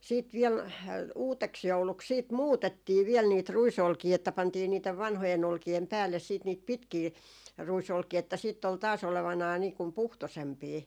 sitten vielä uudeksi jouluksi sitten muutettiin vielä niitä ruisolkia että pantiin niiden vanhojen olkien päälle sitten niitä pitkiä ruisolkia että sitten oli taas olevinaan niin kuin puhtoisempia